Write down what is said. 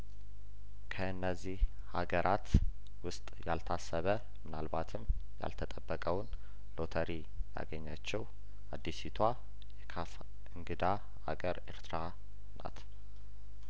ከእነዚህ ሀገራት ውስጥ ያልታሰበ ምናልባትም ያልተጠበቀውን ሎተሪ ያገኘችው አዲሲቷ የካፍ እንግዳ አገር ኤርትራናት